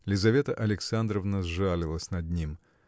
Лизавета Александровна сжалилась над ним.